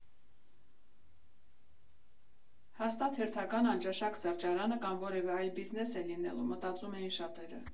Հաստատ հերթական անճաշակ սրճարանը կամ որևէ այլ բիզնես է լինելու, մտածում էին շատերը։